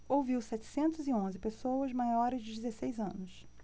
ouviu setecentos e onze pessoas maiores de dezesseis anos